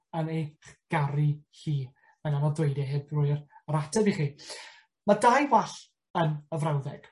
yn ei ch- garu hi. Mae'n anodd dweud e hob roi y yr ateb i ch. Ma' dau wall yn y frawddeg.